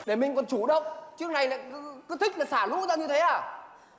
để mình còn chủ động chứ này lại cứ thích là xả lũ ra như thế à